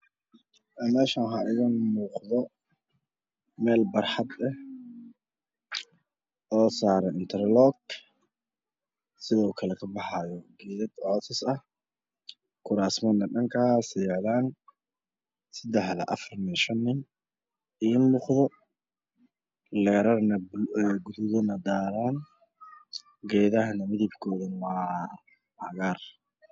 Ee Meeshaan waxaa iiga muuqda meel barxad ah oo saaran interlog sidoo kale ka baxaayo geedad cowsas ah kuraasana dhankaas ayey yaalan 3 4 5 nin ii muuqda leerarna gaduudana daaran geedahana midabkoodana waa cagaar